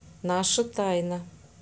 наша тайна